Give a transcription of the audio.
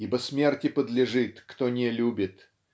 Ибо смерти подлежит, кто не любит.